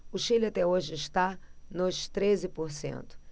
o chile até hoje está nos treze por cento